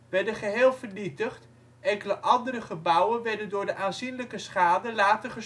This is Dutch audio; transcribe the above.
werden geheel vernietigd, enkele andere gebouwen werden door de aanzienlijke schade later